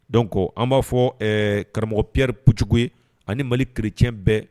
Donc an b'a fɔ ɛɛ karamɔgɔ Piyɛri Pujugu ye ani Mali chrétien bɛɛ